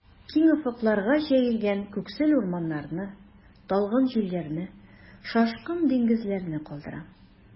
Киң офыкларга җәелгән күксел урманнарны, талгын җилләрне, шашкын диңгезләрне калдырам.